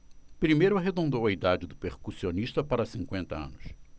primeiro arredondou a idade do percussionista para cinquenta anos